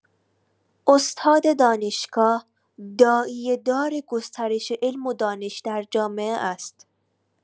استاد دانشگاه داعیه‌دار گسترش علم و دانش در جامعه است.